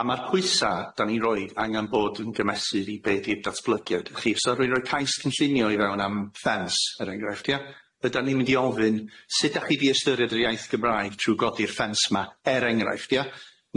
a ma'r pwysa' da ni roi angan bod yn gymesu i be di'r datblygiad chi so roi roi cais cynllunio i fewn am ffens er enghraifft ia ydan ni'n mynd i ofyn sut dach chi di ystyried yr iaith Gymraeg trw godi'r ffens ma' er enghraifft ia.